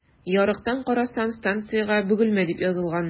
Ярыктан карасам, станциягә “Бөгелмә” дип язылган.